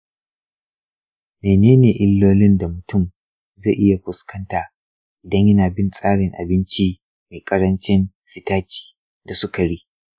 mene ne illolin da mutum zai iya fuskanta idan yana bin tsarin abinci mai ƙarancin sitaci da sukari ?